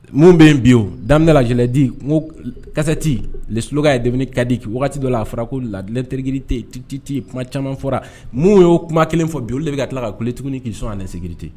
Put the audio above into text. Minnu bɛ yen bi o daminɛ la je l'ai dit n ko kassette, le slogan est devenu caduc kuma caman fɔra minnu y'o kuma kelen fɔ bi olu de bɛ ka tila ka kule tuguni qu'ils sont en insécurité